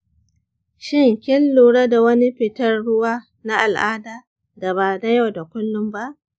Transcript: shin kin lura da wani fitar ruwa na al’ada da ba na yau da kullum ba?